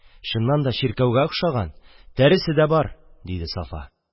Чыннан да, чиркәүгә охшаган... Тәресе дә бар, – диде Сафа.